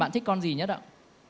bạn thích con gì nhất ạ